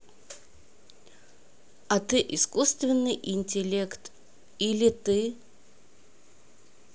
а ты искусственный интеллект или ты